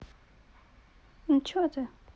ну че ты